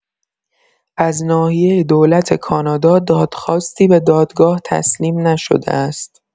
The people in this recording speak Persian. از ناحیه دولت کانادا دادخواستی به دادگاه تسلیم نشده است.